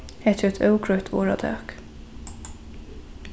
hetta er eitt ógreitt orðatak